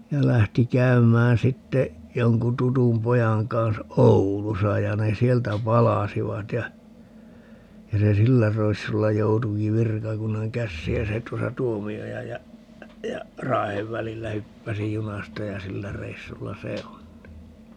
ja lähti käymään sitten jonkun tutun pojan kanssa Oulussa ja ne sieltä palasivat ja ja se sillä reissulla joutuikin virkakunnan käsiin ja se tuossa Tuomiojan ja ja Raahen välillä hyppäsi junasta ja sillä reissulla se on niin